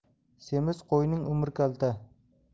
semiz qo'yning umri kalta